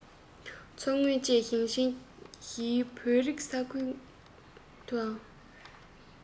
ཀན སུའུ